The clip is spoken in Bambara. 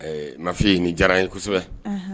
Mafin ye ni diyara ye kosɛbɛ